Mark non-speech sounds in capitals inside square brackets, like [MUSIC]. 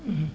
[HESITATION] [HESITATION]